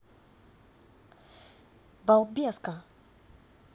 балбеска